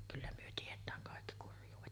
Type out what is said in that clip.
kyllä me tiedetään kaikki kurjuudet